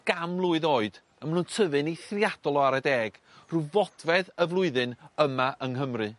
gan mlwydd oed a ma' nw'n tyfu'n eithriadol o ara deg rhw fodfedd y flwyddyn yma yng Nghymru.